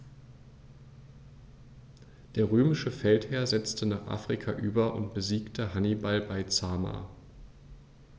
Der römische Feldherr setzte nach Afrika über und besiegte Hannibal bei Zama.